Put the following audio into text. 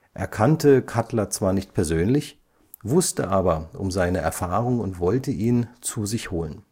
Er kannte Cutler zwar nicht persönlich, wusste aber um seine Erfahrung und wollte ihn zu sich holen